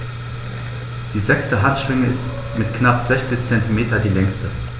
Die sechste Handschwinge ist mit knapp 60 cm die längste.